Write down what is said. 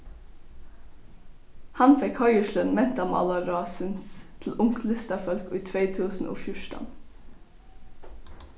hann fekk heiðursløn mentamálaráðsins til ungt listafólk í tvey túsund og fjúrtan